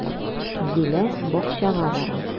Зилә бакчага бара.